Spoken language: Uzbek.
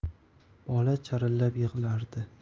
bola chirillab yig'lardi